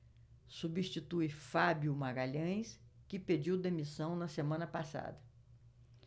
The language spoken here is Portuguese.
substitui fábio magalhães que pediu demissão na semana passada